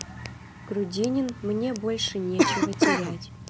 грудинин мне больше нечего терять